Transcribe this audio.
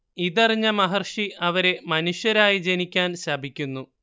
ഇതറിഞ്ഞ മഹർഷി അവരെ മനുഷ്യരായി ജനിക്കാൻ ശപിക്കുന്നു